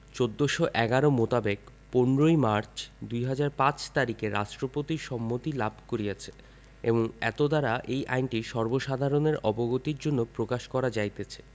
চৈত্র ১৪১১ মোতাবেক ১৫ই মার্চ ২০০৫ তারিখে রাষ্ট্রপতির সম্মতি লাভ করিয়াছে এবং এতদ্বারা এই আইনটি সর্বসাধারণের অবগতির জন্য প্রকাশ করা যাইতেছে